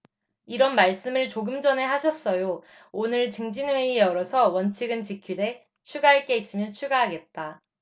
이런 말씀을 조금 전에 하셨어요 오늘 중진회의 열어서 원칙은 지키되 추가할 게 있으면 추가하겠다